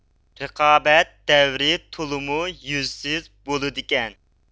رىقابەت دەۋرى تولىمۇ يۈزسىز بولىدىكەن